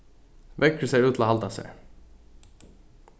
veðrið sær út til at halda sær